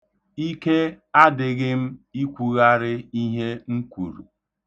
Ike adịghị m ikwugharị ihe m kwuru.